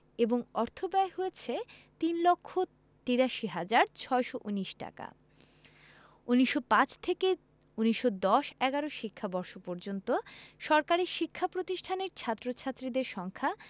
এবং অর্থব্যয় হয়েছে ৩ লক্ষ ৮৩ হাজার ৬১৯ টাকা ১৯০৫ থেকে ১৯১০ ১১ শিক্ষাবর্ষ পর্যন্ত সরকারি শিক্ষা প্রতিষ্ঠানের ছাত্র ছাত্রীদের সংখ্যা